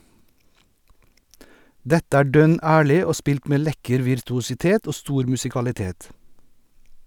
Dette er dønn ærlig og spilt med lekker virtuositet og stor musikalitet.